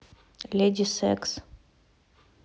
леди секс